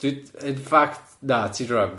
Dw i- in fact, na, ti'n wrong.